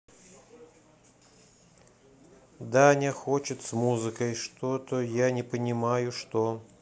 даня хочет с музыкой что то я не понимаю что